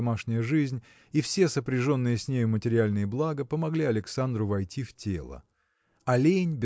домашняя жизнь и все сопряженные с нею материальные блага помогли Александру войти в тело. А лень